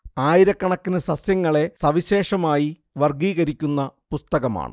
ആയിരക്കണക്കിനു സസ്യങ്ങളെ സവിശേഷമായി വർഗ്ഗീകരിക്കുന്ന പുസ്തകമാണ്